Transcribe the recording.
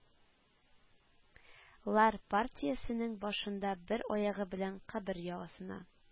Лар партиясенең башында бер аягы белән кабер ягасына